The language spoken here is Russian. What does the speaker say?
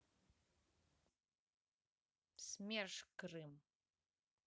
смерш крым